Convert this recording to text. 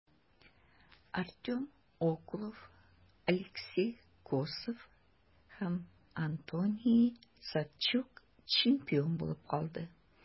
Артем Окулов, Алексей Косов һәм Антоний Савчук чемпион булып калды.